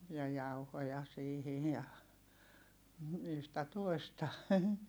ja jauhoja siihen ja yhtä toista